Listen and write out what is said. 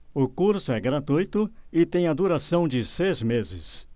o curso é gratuito e tem a duração de seis meses